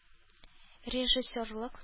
Режиссерлык